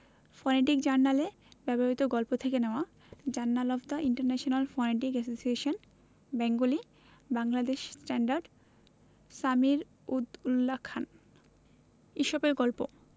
phonetic জার্নালে ব্যবহিত গল্প থেকে নেওয়া journal of the international phonetic association Bengali Bangladeshi standard Samir ud Daula Khan ইসপের গল্প